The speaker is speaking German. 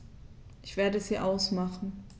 Ich werde sie ausmachen.